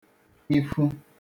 ifu